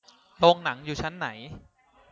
โรงหนังอยู่ชั้นไหน